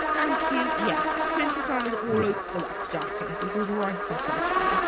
Thank you, yes. Princess Anne is all over the wax jacket. It's just right up her street.